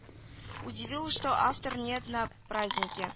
Удивило что автора нет на празднике